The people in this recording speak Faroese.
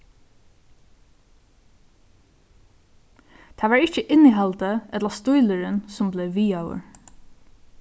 tað var ikki innihaldið ella stílurin sum bleiv vigaður